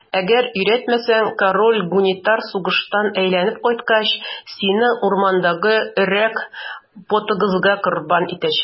Әгәр өйрәтмәсәң, король Гунитар сугыштан әйләнеп кайткач, сине урмандагы Өрәк потыгызга корбан итәчәк.